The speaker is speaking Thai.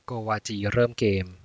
โกวาจีเริ่มเกม